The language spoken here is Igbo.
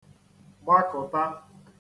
gbakụ̀ta